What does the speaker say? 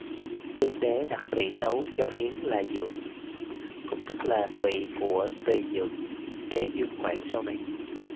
tuyên đế đặt thụy xấu cho hiến là dượng cũng tức là thụy của tùy dượng đế dương quảng sau này